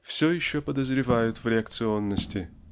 все еще подозревают в реакционности.